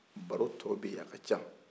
baro tɔ bɛ yan a ka ca